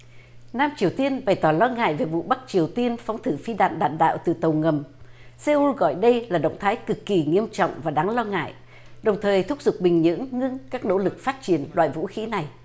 nam triều tiên bày tỏ lo ngại về vụ bắc triều tiên phóng thử phi đạn đạn đạo từ tàu ngầm xê un gọi đây là động thái cực kỳ nghiêm trọng và đáng lo ngại đồng thời thúc giục bình nhưỡng ngưng các nỗ lực phát triển loại vũ khí này